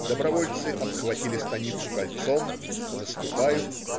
Добровольцы обхватили станицу кольцом, наступают.